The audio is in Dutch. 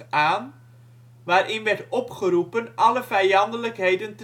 aan waarin werd opgeroepen alle vijandelijkheden